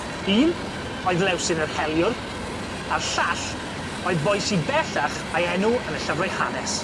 Un oedd Lewsyn yr heliwr a'r llall oedd boi sy bellach a'i enw yn y llyfrau hanes.